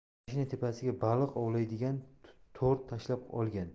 mashina tepasiga baliq ovlaydigan to'r tashlab olgan